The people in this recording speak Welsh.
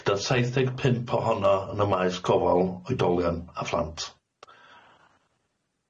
gyda saith deg pump ohono yn y maes gofal oedolion a phlant.